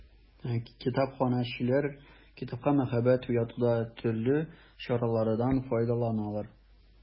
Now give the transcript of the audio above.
Китапханәчеләр китапка мәхәббәт уятуда төрле чаралардан файдаланалар.